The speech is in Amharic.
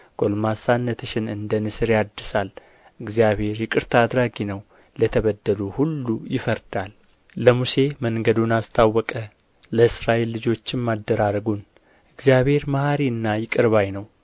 ጕልማስነትሽን እንደ ንስር ያድሳል እግዚአብሔር ይቅርታ አድራጊ ነው ለተበደሉ ሁሉ ይፈርዳል ለሙሴ መንገዱን አስታወቀ ለእስራኤል ልጆችም አደራረጉን እግዚአብሔር መሓሪና ይቅር ባይ ነው